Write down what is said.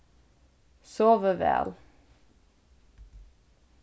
sovið væl